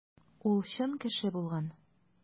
Ул чын кеше булган.